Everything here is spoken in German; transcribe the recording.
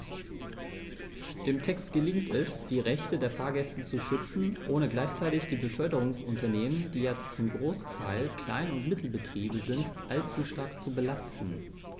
Dem Text gelingt es, die Rechte der Fahrgäste zu schützen, ohne gleichzeitig die Beförderungsunternehmen - die ja zum Großteil Klein- und Mittelbetriebe sind - allzu stark zu belasten.